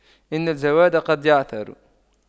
إن الجواد قد يعثر